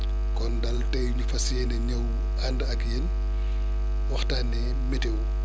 kon daal tey ñu fas yéene ñëw ànd ak yéen waxtaanee météo